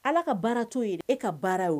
Ala ka baara t’o ye e ka baara yo.